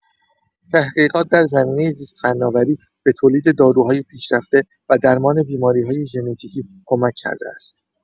تحقیقات در زمینه زیست‌فناوری به تولید داروهای پیشرفته و درمان بیماری‌های ژنتیکی کمک کرده است.